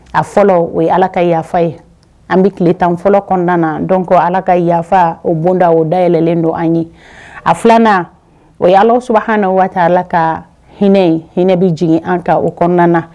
A fɔlɔ o ye ala ka yafa ye an bɛ tile tan fɔlɔ kɔnɔna na dɔn ko ala ka yafa o bonda o dayɛlɛnlen don an ye a filanan o alas waati ala ka hinɛ hinɛ bɛ jigin an kan o kɔnɔna na